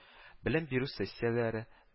Белем бирү сесссияләре